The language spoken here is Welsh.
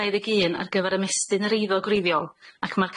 dau ddeg un ar gyfer ymestyn yr eiddo gwreiddiol ac ma'r